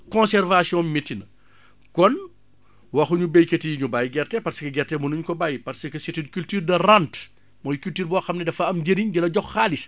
conservation am métti na kon waxuñu baykat yi ñu bàyyi gerte parce que gerte mënuñ ko bàyyi parce que c' est une cuture de rente mooy culture boo xam ne dafa am njariñ di la jox xaalis